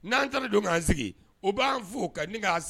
N'an taara don k'an sigi o b'an fo ka n k' sigi